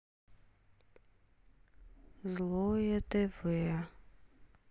злое тв